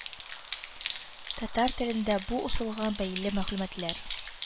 Татар телендә бу ысулга бәйле мәгълүматлар